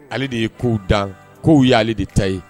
Ale de ye kow dan k' ye ale de ta ye